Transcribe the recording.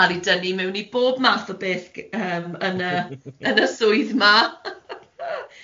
Ca'l ei dynnu mewn i bob math o beth yym yn y yn y swydd 'ma.